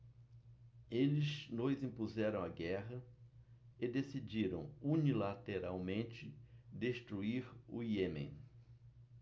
eles nos impuseram a guerra e decidiram unilateralmente destruir o iêmen